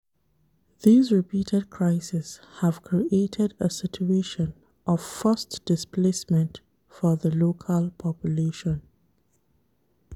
These repeated crises have created a situation of forced displacement for the local population.